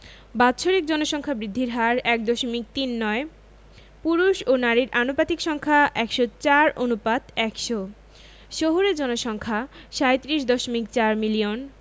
বাৎসরিক জনসংখ্যা বৃদ্ধির হার ১দশমিক তিন নয় পুরুষ ও নারীর আনুপাতিক সংখ্যা ১০৪ অনুপাত ১০০ শহুরে জনসংখ্যা ৩৭দশমিক ৪ মিলিয়ন